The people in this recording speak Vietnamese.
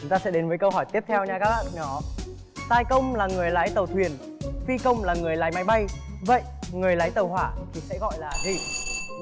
chúng ta sẽ đến với câu hỏi tiếp theo nha các bạn nhỏ tài công là người lái tàu thuyền phi công là người lái máy bay vậy người lái tàu hỏa thì sẽ gọi là gì